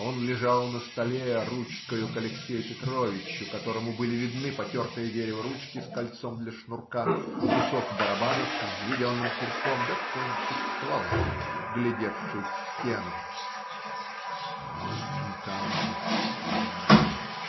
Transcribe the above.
Он лежал на столе ручкою к Алексею Петровичу, которому были видны потертое дерево ручки с кольцом для шнурка, кусок барабана с взведенным курком да кончик ствола, глядевший в стену. - Вон там смерть.